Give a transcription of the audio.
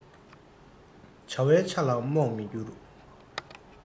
བྱ བའི ཆ ལ རྨོངས མི འགྱུར